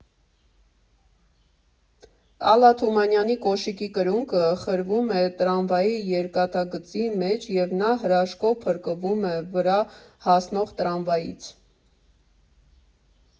Ալլա Թումանյանի կոշիկի կրունկը խրվում է տրամվայի երկաթգծի մեջ և նա հրաշքով փրկվում է վրա հասնող տրամվայից…